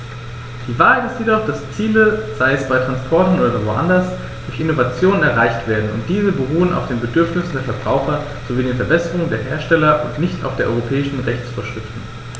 Die Wahrheit ist jedoch, dass Ziele, sei es bei Transportern oder woanders, durch Innovationen erreicht werden, und diese beruhen auf den Bedürfnissen der Verbraucher sowie den Verbesserungen der Hersteller und nicht nur auf europäischen Rechtsvorschriften.